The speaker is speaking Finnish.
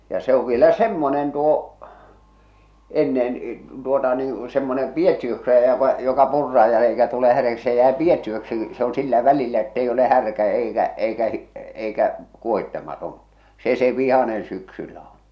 ja se on vielä semmoinen tuo ennen tuota niin semmoinen piettiöksi jäävä joka purraan ja eikä tule häräksi se jää piettiöksi se on sillä välillä että ei ole härkä eikä eikä eikä kuohitsematon se se vihainen syksyllä on